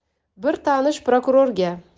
bir tanish prokurorga